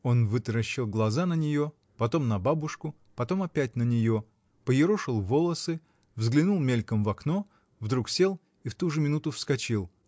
Он вытаращил глаза на нее, потом на бабушку, потом опять на нее, поерошил волосы, взглянул мельком в окно, вдруг сел и в ту же минуту вскочил.